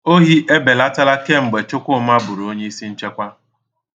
Ohi ebelatala kemgbe Chukwuma bụrụ onyiisi nchekwa.